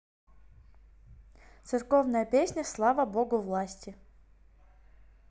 церковная песня слава богу власти